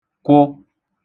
kwụ